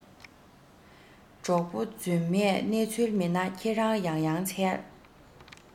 གྲོགས པོ རྫུན མས གནས ཚུལ མེད ན ཁྱེད རང ཡང ཡང འཚལ